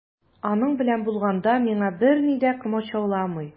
Аның белән булганда миңа берни дә комачауламый.